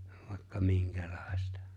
vaikka minkälaista